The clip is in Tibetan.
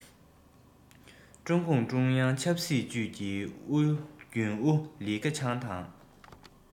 ཀྲུང གུང ཀྲུང དབྱང ཆབ སྲིད ཅུས ཀྱི རྒྱུན ཨུ ལི ཁེ ཆང དང